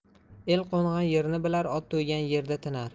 el qo'ngan yerni bilar ot to'ygan yerda tinar